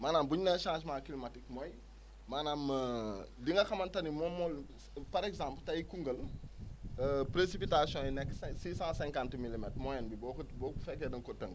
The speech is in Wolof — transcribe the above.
maanaam bu ñu nee changement climatique mooy maanaam li nga xamante ni moom moo par exemple tey Koungheul précipitations yi nekk six cent cinquante milimètres moyenne bi boo ko bu fekkee da nga ko tënk